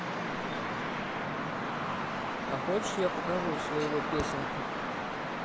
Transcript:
а хочешь я покажи своего песенка